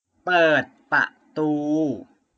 เปิดประตู